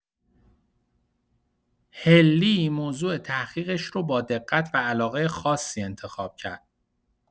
حلی موضوع تحقیقش رو با دقت و علاقه خاصی انتخاب کرد.